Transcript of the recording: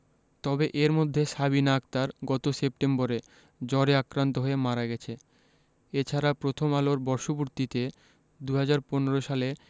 তবে এর মধ্যে সাবিনা আক্তার গত সেপ্টেম্বরে জ্বরে আক্রান্ত হয়ে মারা গেছে এ ছাড়া প্রথম আলোর বর্ষপূর্তিতে ২০১৫ সালে